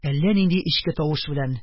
Әллә нинди эчке тавыш белән: